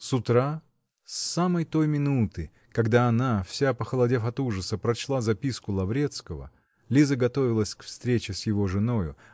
С утра, с самой той минуты, когда она, вся похолодев от ужаса, прочла записку Лаврецкого, Лиза готовилась к встрече с его женою